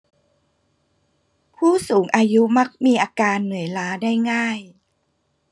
ผู้สูงอายุมักมีอาการเหนื่อยล้าได้ง่าย